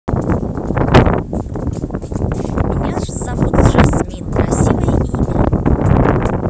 меня зовут жасмин красивое имя